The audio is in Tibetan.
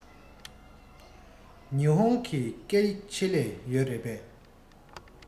ཉི ཧོང གི སྐད ཡིག ཆེད ལས ཡོད རེད པས